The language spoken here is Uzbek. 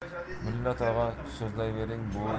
mulla tog'a so'zlayvering bu